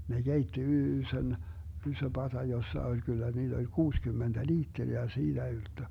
ne keitti ison iso pata jossa oli kyllä niitä oli kuusikymmentä litraa ja siitä ylttö